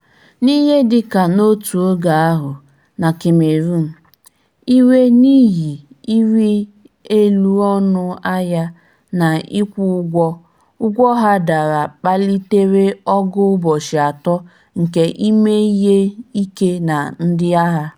N'ihe dị ka n'otu oge ahụ na Cameroon, iwe n'ihi ịrị elu ọnụ ahịa na ịkwụ ụgwọ ụgwọ ha dara kpalitere ọgụ ụbọchị atọ nke ime ihe ike na ndị agha.